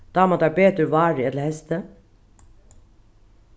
dámar tær betur várið ella heystið